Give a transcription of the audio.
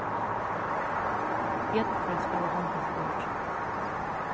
bjørn fer at spæla hondbólt í morgin